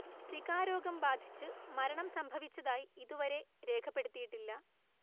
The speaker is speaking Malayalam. സികാ രോഗം ബാധിച്ചു മരണം സംഭവിച്ചതായി ഇതുവരെ രേഖപ്പെടുത്തിയിട്ടില്ല